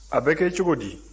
a bɛ kɛ cogo di